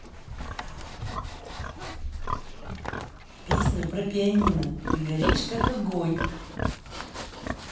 песня про пианино ты горишь как огонь